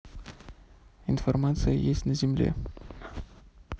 информация есть на земле